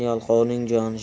yalqovning joni shirin